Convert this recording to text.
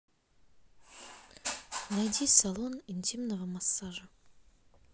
найди салон интимного массажа